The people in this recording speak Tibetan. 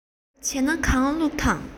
བྱས ན གང བླུགས དང